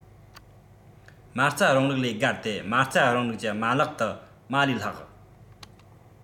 མ རྩ རིང ལུགས ལས བརྒལ ཏེ མ རྩའི རིང ལུགས ཀྱི མ ལག ཏུ མ ལས ལྷག